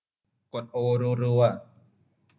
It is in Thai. กดโอรัวรัว